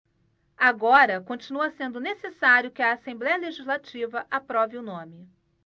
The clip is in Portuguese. agora continua sendo necessário que a assembléia legislativa aprove o nome